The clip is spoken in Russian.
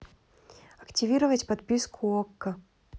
активировать подписку окко